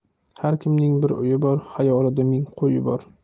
har kimning bir o'yi bor xayolida ming qo'yi bor